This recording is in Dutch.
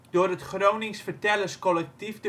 door het Gronings Vertellerscollectief